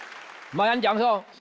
mời anh chọn xô